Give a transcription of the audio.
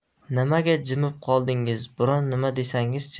nimaga jimib qoldingiz biron nima desangiz chi